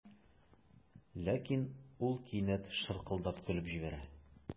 Ләкин ул кинәт шаркылдап көлеп җибәрә.